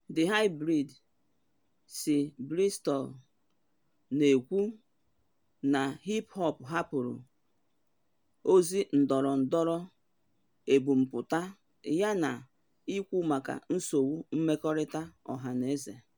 The High Breed, si Bristol, na ekwu na hip hop hapụrụ ozi ndọrọndọrọ ebumpụta ya yana ikwu maka nsogbu mmekọrịta ọhaneze.